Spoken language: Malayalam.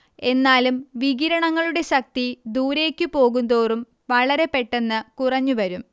എന്നാലും വികിരണങ്ങളുടെ ശക്തി ദൂരേയ്ക്ക് പോകുന്തോറും വളരെപ്പെട്ടെന്ന് കുറഞ്ഞുവരും